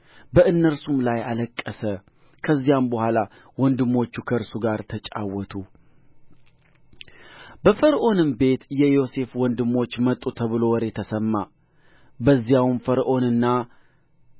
በእነርሱም ላይ አለቀሰ ከዚያም በኋላ ወንድሞቹ ከእርሱ ጋር ተጫወቱ በፈርዖንም ቤት የዮሴፍ ወንድሞች መጡ ተብሎ ወሬ ተሰማ በዚያውም ፈርዖንና